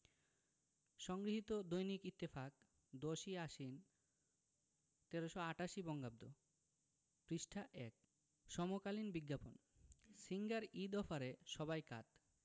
সংগৃহীত দৈনিক ইত্তেফাক ১০ই আশ্বিন ১৩৮৮ বঙ্গাব্দ পৃষ্ঠা ১ সমকালীন বিজ্ঞাপন সিঙ্গার ঈদ অফারে সবাই কাত